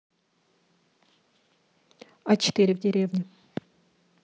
а четыре в деревне